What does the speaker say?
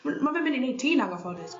m- ma' fe'n myn' i neu' tin angyfforddus.